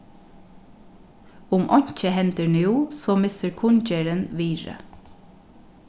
um einki hendir nú so missir kunngerðin virði